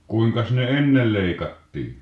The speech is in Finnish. kuinkas ne ennen leikattiin